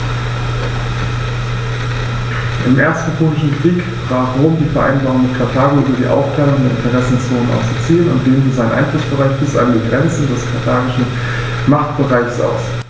Im Ersten Punischen Krieg brach Rom die Vereinbarung mit Karthago über die Aufteilung der Interessenzonen auf Sizilien und dehnte seinen Einflussbereich bis an die Grenze des karthagischen Machtbereichs aus.